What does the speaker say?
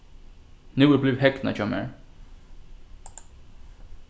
nú er blivið hegnað hjá mær